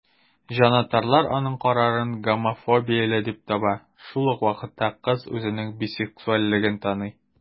Җанатарлар аның карарын гомофобияле дип таба, шул ук вакытта кыз үзенең бисексуальлеген таный.